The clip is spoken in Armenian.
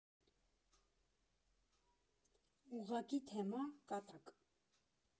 Ուղղակի թեմա՝ կատակ։